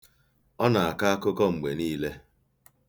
Ọ na-akọ akụkọ mgbe niile.